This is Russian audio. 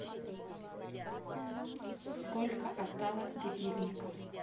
сколько осталось будильников